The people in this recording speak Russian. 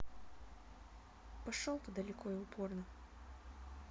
пошел ты далеко и упорно